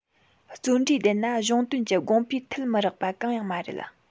བརྩོན འགྲུས ལྡན ན གཞུང དོན གྱི དགོངས པའི མཐིལ མི རེག པ གང ཡང མ རེད